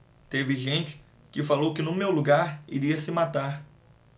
teve gente que falou que no meu lugar iria se matar